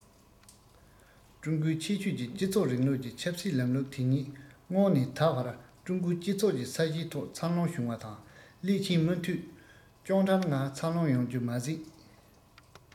ཀྲུང གོའི ཁྱད ཆོས ཀྱི སྤྱི ཚོགས རིང ལུགས ཀྱི ཆབ སྲིད ལམ ལུགས དེ ཉིད སྔོན ནས ད བར ཀྲུང གོའི སྤྱི ཚོགས ཀྱི ས གཞིའི ཐོག འཚར ལོངས བྱུང བ དང སླད ཕྱིན མུ མཐུད སྐྱོན བྲལ ངང འཚར ལོངས ཡོང རྒྱུ མ ཟད